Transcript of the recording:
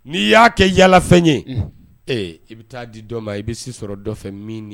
N'i y'a kɛ yaalafɛn ye ee i bɛ taa di dɔ ma i bɛ sɔrɔ dɔ fɛ min